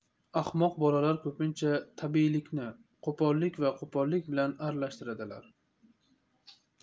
ahmoq bolalar ko'pincha tabiiylikni qo'pollik va qo'pollik bilan aralashtiradilar